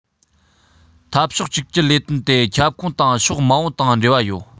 འཐབ ཕྱོགས གཅིག གྱུར ལས དོན དེ ཁྱབ ཁོངས དང ཕྱོགས མང པོ དང འབྲེལ བ ཡོད